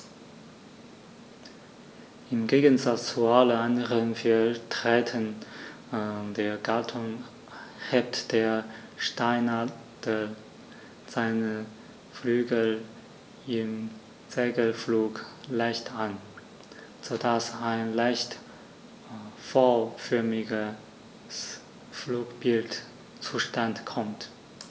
Im Gegensatz zu allen anderen Vertretern der Gattung hebt der Steinadler seine Flügel im Segelflug leicht an, so dass ein leicht V-förmiges Flugbild zustande kommt.